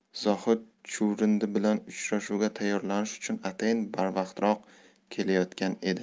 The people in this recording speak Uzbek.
zohid chuvrindi bilan uchrashuvga tayyorlanish uchun atayin barvaqtroq kelayotgan edi